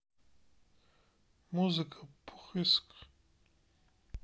музыка поиск